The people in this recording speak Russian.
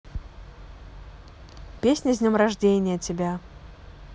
песня с днем рождения тебя